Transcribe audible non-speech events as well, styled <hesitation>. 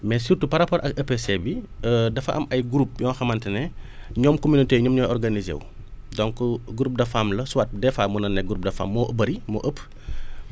mais surtout par rapport ak EPC bi <hesitation> dafa am ay groupes yoo xamante ne <breath> ñoom communauté yi ñoom ñooy organiser wu donc groupe de femmes la soit des fois mun na nekk groupe de femmes moo bëri moo ëpp <breath>